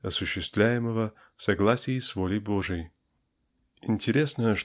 осуществляемого в согласии с волей Божией. Интересно